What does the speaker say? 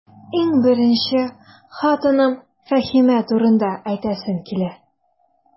Иң беренче, хатыным Фәһимә турында әйтәсем килә.